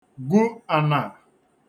gwu anà